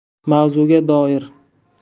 mavzuga doir